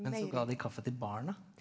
men så ga de kaffe til barna.